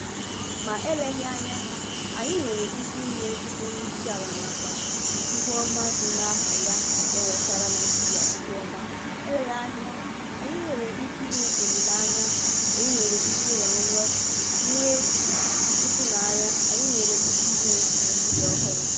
Ma eleghị anya, anyị nwere ike inwe ezigbo Onyeisiala nakwa ihuọma dị n'aha ya ga-ewetara Naịjirịa iheọma, eleghịanya, anyị nwere ike inwe olileanya, anyị nwere ike ịrọ nrọ, nwe itunanya, anyị nwere ike inwe Naịjirịa ohụrụ.